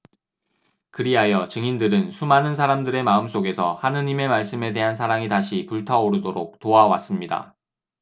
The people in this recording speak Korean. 그리하여 증인들은 수많은 사람들의 마음속에서 하느님의 말씀에 대한 사랑이 다시 불타오르도록 도와 왔습니다